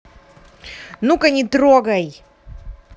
ну ка не трогай